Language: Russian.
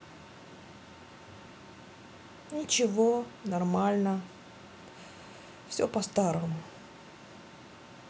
ничего нормально все по старому